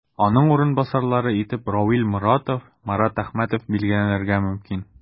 Аның урынбасарлары итеп Равил Моратов, Марат Әхмәтов билгеләнергә мөмкин.